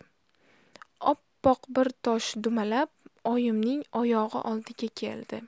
oppoq bir tosh dumalab oyimning oyog'i oldiga keldi